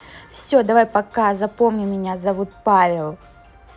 все давай пока запомни меня зовут павел